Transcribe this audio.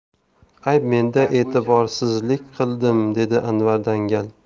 ayb menda e'tiborsizlik qildim dedi anvar dangal